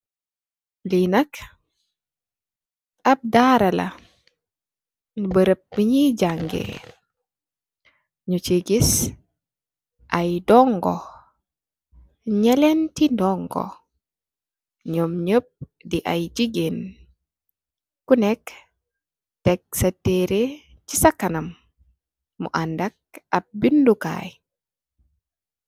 Lii nak, ab daara la, bërëb bi ñuñy jaangee. Ñu ciy gis ay ndongo, ñenenti ndongo, ñom ñep di ay jigéen,k neek, Tek sa tëëre ci sa kanam, mu and ak bindu kaay.